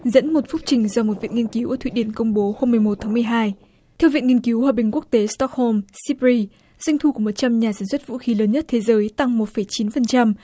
dẫn một phúc trình do một viện nghiên cứu ở thụy điển công bố hôm mười một tháng mười hai thư viện nghiên cứu hòa bình quốc tế sooc hôm síp ri doanh thu của một trăm nhà sản xuất vũ khí lớn nhất thế giới tăng một phẩy chín phần trăm